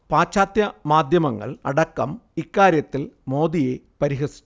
പാശ്ചാത്യ മാധ്യമങ്ങൾ അടക്കം ഇക്കാര്യത്തിൽ മോദിയെ പരിഹസിച്ചു